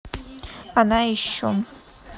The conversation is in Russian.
она еще